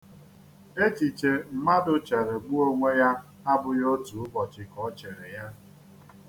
Echiche mmadụ chere gbuo onwe ya abụghị otu ụbọchị ka o chere ya.